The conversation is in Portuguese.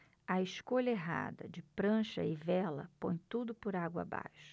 a escolha errada de prancha e vela põe tudo por água abaixo